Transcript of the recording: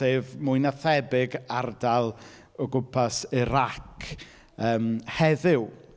Sef, mwy na thebyg, ardal o gwmpas Irac, yym, heddiw.